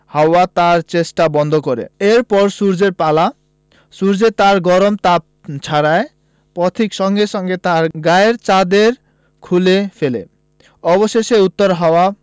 হাওয়া তার চেষ্টা বন্ধ করে এর পর সূর্যের পালা সূর্য তার গরম তাপ ছড়ায় পথিক সঙ্গে সঙ্গে তার গায়ের চাদর খুলে ফেলে অবশেষে উত্তর হাওয়া